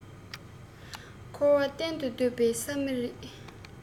འཁོར བ གཏན དུ སྡོད པའི ས མ རེད